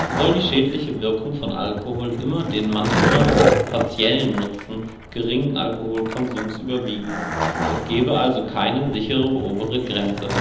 soll die schädliche Wirkung von Alkohol immer den manchmal partiellen Nutzen geringen Alkoholkonsums überwiegen, es gäbe also keine " sichere " obere Grenze